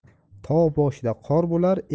tog' boshida qor bo'lar